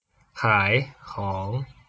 ขายของ